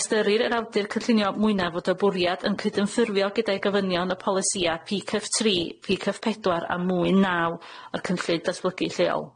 Ystyrir yr awdur cynllunio mwyna fod y bwriad yn cydymffurfio gyda'i gofynion y polisia' Pee cyff tri Pee cyff pedwar a mwyn naw y cynllun datblygu lleol.